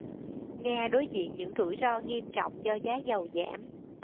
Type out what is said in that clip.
nga đối diện những rủi ro nghiêm trọng do giá dầu giảm